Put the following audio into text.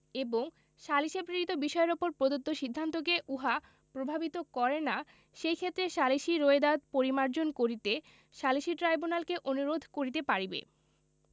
এবং সালিসে প্রেরিত বিষয়ের উপর প্রদত্ত সিদ্ধান্তকে উহা প্রভাবিত করে না সেইক্ষেত্রে সালিসী রোয়েদাদ পরিমার্জন করিতে সালিসী ট্রাইব্যুনালকে অনুরোধ করিতে পারিবে